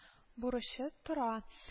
Бурычы тора